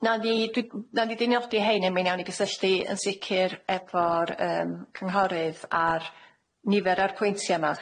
Nawn ni dw- n- nawn ni hein, a mi newn ni gysylltu yn sicir efo'r yym cynghorydd ar nifer o'r pwyntie 'ma.